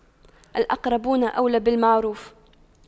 الأقربون أولى بالمعروف